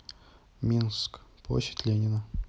минск площадь ленина